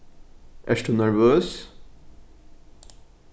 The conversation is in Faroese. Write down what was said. ert tú nervøs